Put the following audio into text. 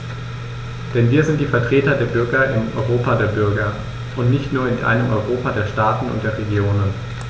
Denn wir sind die Vertreter der Bürger im Europa der Bürger und nicht nur in einem Europa der Staaten und der Regionen.